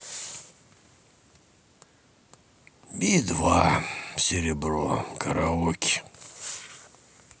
би два серебро караоке